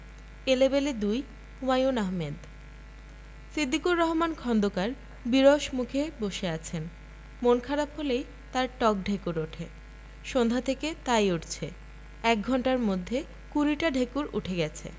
এলেবেলে ২ হুমায়ূন আহমেদ সিদ্দিকুর রহমান খন্দকার বিরস মুখে বসে আছেন মন খারাপ হলেই তাঁর টক ঢেকুর ওঠে সন্ধ্যা থেকে তাই উঠছে এক ঘণ্টার মধ্যে কুড়িটা ঢেকুর ওঠে গেছে